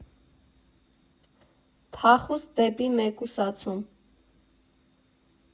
Փախուստ դեպի մեկուսացում։